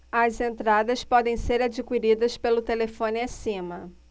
as entradas podem ser adquiridas pelo telefone acima